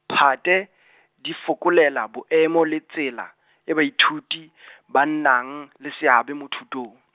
phate , di fokelela boemo le tsela, e baithuti , ba nnang, le seabe mo thutong.